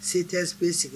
Se tɛseke sigi